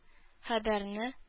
Хәбәрне